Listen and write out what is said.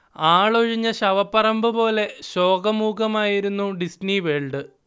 ആളൊഴിഞ്ഞ ശവപ്പറമ്പ് പോലെ ശോകമൂകമായിരുന്നു ഡിസ്നി വേൾഡ്